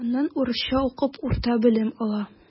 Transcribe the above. Аннан урысча укып урта белем ала.